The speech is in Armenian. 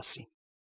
Մասին։